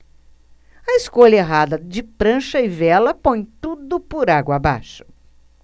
a escolha errada de prancha e vela põe tudo por água abaixo